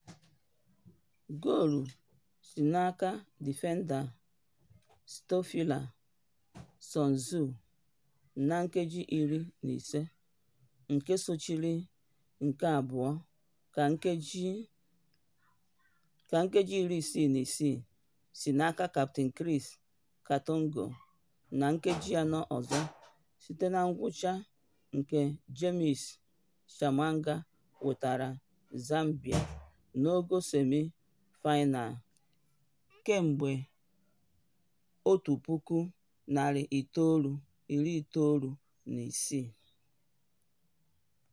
Goolu si n'aka difenda Stopilla Sunzu na nkeji iri na ise, nke sochiri nke abụọ ka nkeji 66 si n'aka Captain Chris Katongo na nkeji anọ ọzọ site na ngwụcha nke James Chamanga, wetaara Zambia n'ogo semi-final kemgbe 1996.